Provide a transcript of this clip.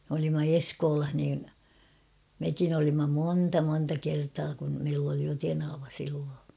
me olimme Eskolassa niin mekin olimme monta monta kertaa kun meillä oli jo tenava silloin